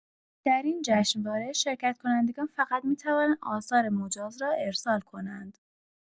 در این جشنواره، شرکت‌کنندگان فقط می‌توانند آثار مجاز را ارسال کنند.